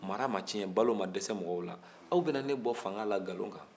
mara ma tiɲɛ balo ma dɛsɛ maw na aw bɛna ne bɔ fanga la nkalon kan